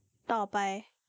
ต่อไป